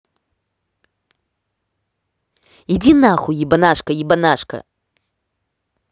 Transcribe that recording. иди нахуй ебанашка ебанашка